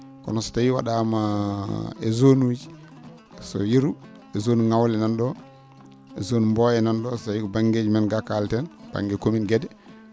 kono so tawii wa?aama e zone uji so yeru zone Ngawle nan ?oon zone Mboye nan ?oon tawii ko ba?ngeji men gaa kaaleten ba?nge commune Guédé